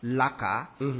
Laka, unhun